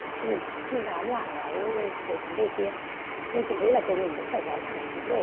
chứ mình cũng chưa dám là nói về vấn đề kia nhưng chị nghĩ là thôi mình cũng phải nói thẳng vấn đề